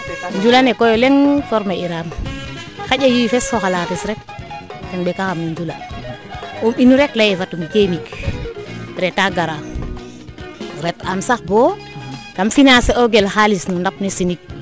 njula ne koy o leŋ former i raam xanja yiifes fo xalates rek ten ɓeka xam no njula in unu rek leye fat im jeemik reta gara ret aam sax boo kam financer ogel xalis no ndap ne sinig